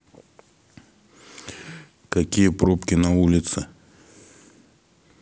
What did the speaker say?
какие пробки на улице